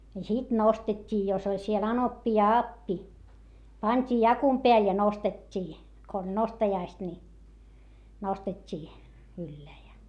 ja sitten nostettiin jos oli siellä anoppi ja appi pantiin jakun päälle ja nostettiin kun oli nostajaiset niin nostettiin ylle ja